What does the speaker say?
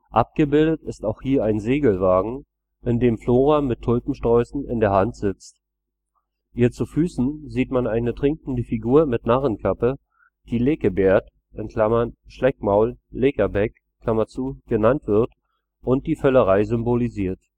Abgebildet ist auch hier ein Segelwagen, in dem Flora mit Tulpensträußen in der Hand sitzt. Ihr zu Füßen sieht man eine trinkende Figur mit Narrenkappe, die Leckebaerd (Schleckmaul, Leckerbeck) genannt wird und die Völlerei symbolisiert